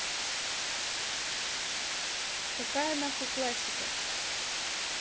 какая нахуй классика